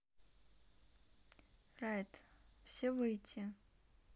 right все выйти